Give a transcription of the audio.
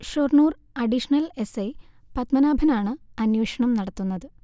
Shoranur additional S I പത്മനാഭനാണ് അന്വേഷണം നടത്തുന്നത്